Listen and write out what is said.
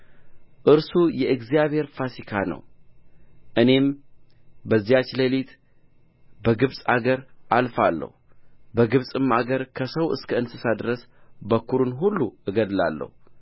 እርሱ የእግዚአብሔር ፋሲካ ነው እኔም በዚያች ሌሊት በግብፅ አገር አልፋለሁ በግብፅም አገር ከሰው እስከ እንስሳ ድረስ በኵርን ሁሉ እገድላለሁ